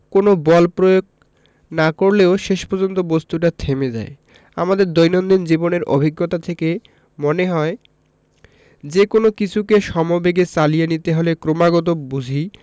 কোনো বল প্রয়োগ না করলেও শেষ পর্যন্ত বস্তুটা থেমে যায় আমাদের দৈনন্দিন জীবনের অভিজ্ঞতা থেকে মনে হয় যেকোনো কিছুকে সমবেগে চালিয়ে নিতে হলে ক্রমাগত বুঝি